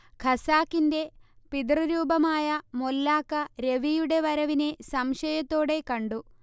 ഖസാക്കിന്റെ പിതൃരൂപമായ മൊല്ലാക്ക രവിയുടെ വരവിനെ സംശയത്തോടെ കണ്ടു